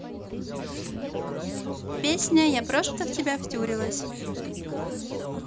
песня я просто в тебя втюрилась